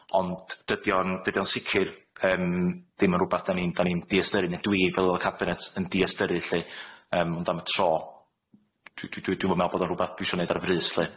Ond dydi o'n- dydi o'n sicir yym ddim yn rwbath 'dan ni'n 'dan ni'n diystyru, ne' dwi fel aelod cabinet yn diystyru lly. Yym ond am y tro, dwi dwi dwi'm yn me'wl bod o'n rwbath dwi isio neud ar frys lly.